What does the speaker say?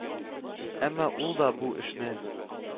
Әмма ул да бу эшне